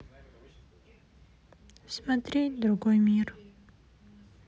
смотреть другой мир